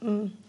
Mm.